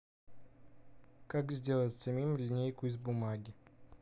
как сделать самим линейку из бумаги